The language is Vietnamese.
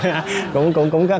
cũng cũng cũng